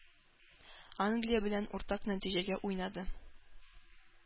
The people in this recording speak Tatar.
Англия белән уртак нәтиҗәгә уйнады.